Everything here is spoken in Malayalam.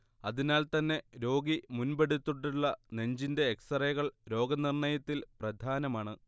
അതിനാൽ തന്നെ രോഗി മുൻപെടുത്തിട്ടുള്ള നെഞ്ചിന്റെ എക്സ്റേകൾ രോഗനിർണയത്തിൽ പ്രധാനമാണ്